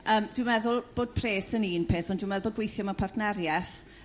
Yrm dwi meddwl bod pres yn un peth ond dwi medd' bo' gw'ithio mewn partneri'eth